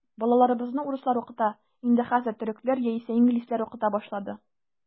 Балаларыбызны урыслар укыта, инде хәзер төрекләр яисә инглизләр укыта башлады.